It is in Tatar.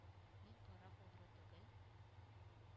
Мин карак-угъры түгел,